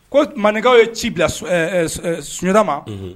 Ko maninkaw ye ci bila sunjatada ma